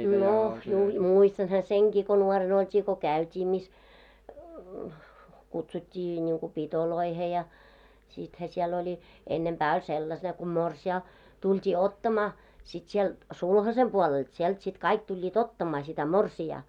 no - muistanhan senkin kun nuorena oltiin kun käytiin missä kutsuttiin niin kuin pitoihin ja sittenhän siellä oli ennempää oli - ne kun morsian tultiin ottamaan sitten sieltä sulhasen puolelta sieltä sitten kaikki tulivat ottamaan sitä morsianta